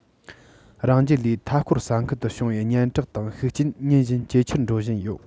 རང རྒྱལ ལས མཐའ སྐོར ས ཁུལ དུ བྱུང བའི སྙན གྲགས དང ཤུགས རྐྱེན ཉིན བཞིན ཇེ ཆེར འགྲོ བཞིན ཡོད